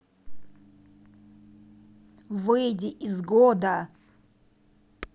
выйди из года